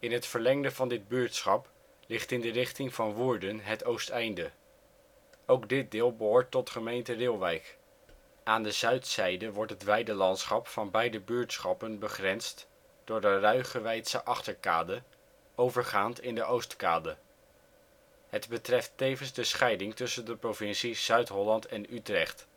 het verlengde van dit buurtschap ligt in de richting van Woerden het Oosteinde. Ook dit deel behoort tot gemeente Reeuwijk. Aan de zuidzijde wordt het weidelandschap van beide buurtschappen begrensd door de Ruigeweidse Achterkade, overgaand in de Oostkade. Het betreft tevens de scheiding tussen de provincies Zuid-Holland en Utrecht